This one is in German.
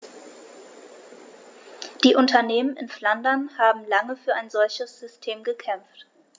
Die Unternehmen in Flandern haben lange für ein solches System gekämpft.